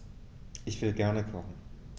Ich will gerne kochen.